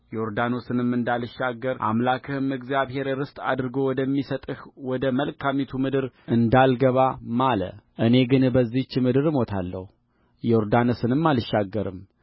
ዮርዳኖስንም እንዳልሻገር አምላክህም እግዚአብሔር ርስት አድርጎ ወደሚሰጥህ ወደ መልካሚቱ ምድር እንዳልገባ ማለእኔ ግን በዚህች ምድር እሞታለሁ ዮርዳኖስንም አልሻገርም